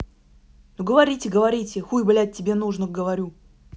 ну говорите говорите хуй блядь тебе нужно говорю